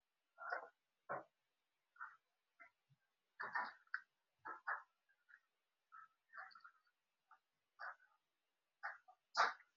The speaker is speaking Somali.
Waa boonbolo midabkiis yahay madow waxaa ku jiro catiin kiisu yahay dahabi meesha uu saaran yahay waa dhalo